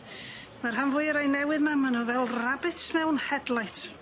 Ma'r rhan fwya rai newydd 'ma ma' nw fel rabbits mewn headlight.